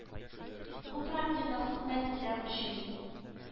Бу проблема Хөкүмәтне дә борчый